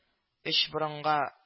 Өч борынга